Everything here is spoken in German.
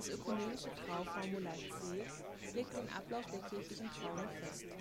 ökumenische Trauformular C legt den Ablauf der kirchlichen Trauung fest